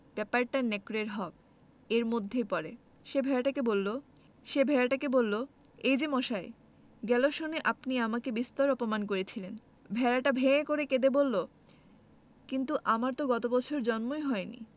ব্যাপারটা নেকড়ের হকএর মধ্যেই পড়ে সে ভেড়াটাকে বলল এই যে মশাই গেল সনে আপনি আমাকে বিস্তর অপমান করেছিলেন ভেড়াটা ভ্যাঁ করে কেঁদে ফেলল কিন্তু আমার তো গত বছর জন্মই হয়নি